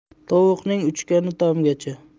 tovuqning uchgani tomgacha